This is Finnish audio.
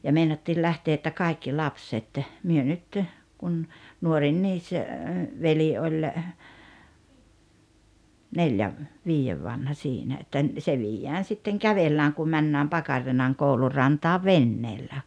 ja meinattiin lähteä että kaikki lapset me nyt kun nuorin veli oli neljän viiden vanha siinä että se viedään sitten kävellään kun mennään Pakarilan koulun rantaan veneellä